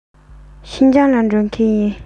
ཤིན ཅང ལ འགྲོ མཁན ཡིན